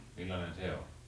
millainen se on